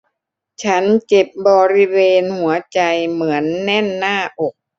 ฉันเจ็บบริเวณหัวใจเหมือนแน่นหน้าอก